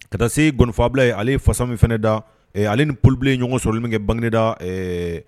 Ka taa se gɔniffabila ye ale ye fasa min fana da ale ni polibilenlen ɲɔgɔn sɔrɔ min kɛ bangeda